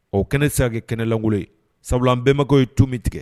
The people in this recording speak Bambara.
O kɛnɛ tise ka kɛ kɛnɛlaŋolo ye sabula an bɛnbakɛw ye tu min tigɛ